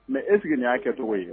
Mɛ eseke nin y'a kɛcogo ye